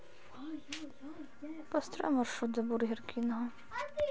построй маршрут до бургер кинга